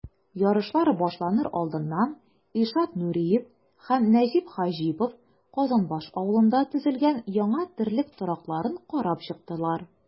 Ярышлар башланыр алдыннан Илшат Нуриев һәм Нәҗип Хаҗипов Казанбаш авылында төзелгән яңа терлек торакларын карап чыктылар.